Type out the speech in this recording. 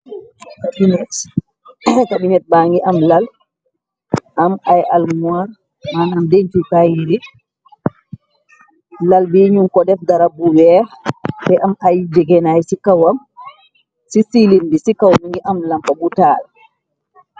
Kabinet, kabinet ba ngi am lal, am ay almor, manam dence kay yire, lal bi ñu ko def darab bu weex, te am ay jegenay si kawam, ci siilinbi ci kaw mi ngi am lampa bu taal.